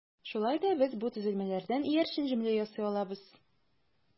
Шулай да без бу төзелмәләрдән иярчен җөмлә ясый алабыз.